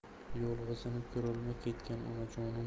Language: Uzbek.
yolg'izini ko'rolmay ketgan onajonim